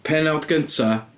Pennawd gynta.